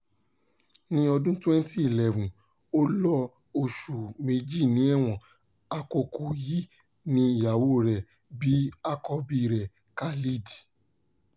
Ní ọdún 2011, ó lo oṣù méjì ní ẹ̀wọ̀n, àkókò yìí ni ìyàwóo rẹ̀ bí àkọ́bíi rẹ̀, Khaled.